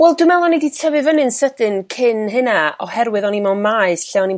Wel dwi me'l oni 'di tyfu fyny'n sydyn cyn hynna oherwydd oni mewn maes lle oni'n